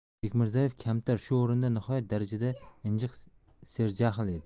bekmirzaev kamtar shu o'rinda nihoyat darajada injiq serjahl edi